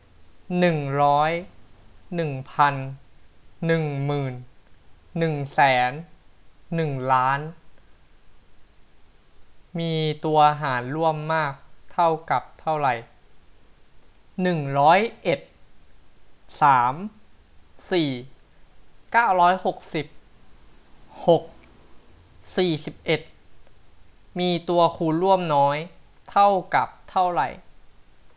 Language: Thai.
หนึ่งร้อยเอ็ดสามสี่เก้าร้อยหกสิบหกสี่สิบเอ็ดมีตัวคูณร่วมน้อยเท่ากับเท่าไหร่